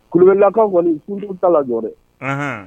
Ku kulubalilakan kɔniɔnikun ta la jɔ dɛ